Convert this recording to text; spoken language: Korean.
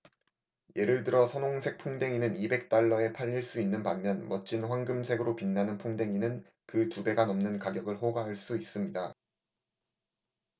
예를 들어 선홍색 풍뎅이는 이백 달러에 팔릴 수 있는 반면 멋진 황금색으로 빛나는 풍뎅이는 그 두 배가 넘는 가격을 호가할 수 있습니다